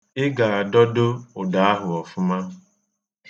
Ị ga-adọdo ụdọ ahụ ọfụma.